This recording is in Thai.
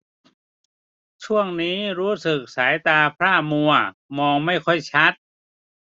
ช่วงนี้รู้สึกสายตาพร่ามัวมองไม่ค่อยชัด